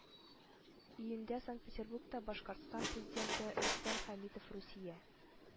Июньдә санкт-петербургта башкортстан президенты рөстәм хәмитов русия